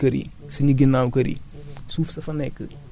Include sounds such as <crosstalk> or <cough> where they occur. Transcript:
ba tey sax <hesitation> sën yi nekk suñu kër yi